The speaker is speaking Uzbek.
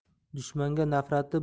dushmanga nafrati bo'lmaganning